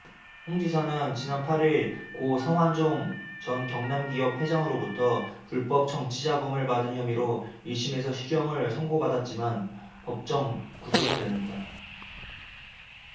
홍 지사는 지난 팔 일 고 성완종 전 경남기업 회장으로부터 불법 정치자금을 받은 혐의로 일 심에서 실형을 선고받았지만 법정 구속은 면했다